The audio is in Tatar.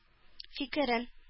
Фикерен